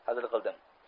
hazil qildim